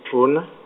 dvuna.